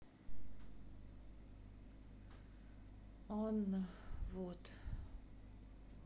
анна вот